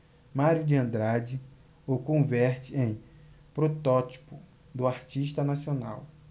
mário de andrade o converte em protótipo do artista nacional